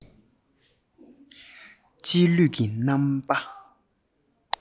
རྗེས ལུས ཀྱི རྣམ པ